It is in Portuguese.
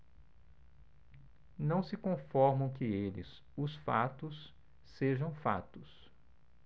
não se conformam que eles os fatos sejam fatos